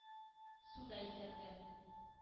Су да исәпле.